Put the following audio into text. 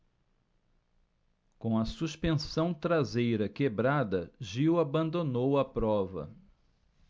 com a suspensão traseira quebrada gil abandonou a prova